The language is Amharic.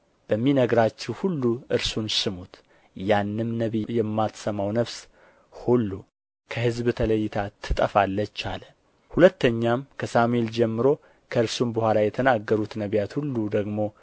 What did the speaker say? በሚነግራችሁ ሁሉ እርሱን ስሙት ያንም ነቢይ የማትሰማው ነፍስ ሁሉ ከሕዝብ ተለይታ ትጠፋለች አለ ሁለተኛም ከሳሙኤል ጀምሮ ከእርሱም በኋላ የተናገሩት ነቢያት ሁሉ ደግሞ